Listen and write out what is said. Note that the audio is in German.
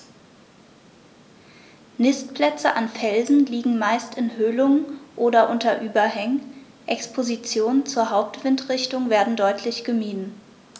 Nistplätze an Felsen liegen meist in Höhlungen oder unter Überhängen, Expositionen zur Hauptwindrichtung werden deutlich gemieden.